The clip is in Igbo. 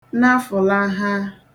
nafụ̀laha